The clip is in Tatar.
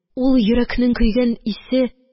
Ул йөрәкнең көйгән исе